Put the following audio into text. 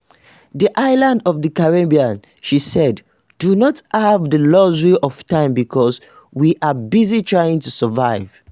The islands of the Caribbean, she said, "do not have the luxury of time because [we] are busy trying to survive".